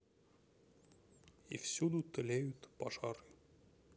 и всюду тлеют пожары